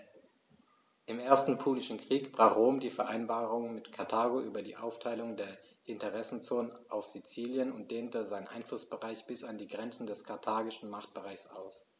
Im Ersten Punischen Krieg brach Rom die Vereinbarung mit Karthago über die Aufteilung der Interessenzonen auf Sizilien und dehnte seinen Einflussbereich bis an die Grenze des karthagischen Machtbereichs aus.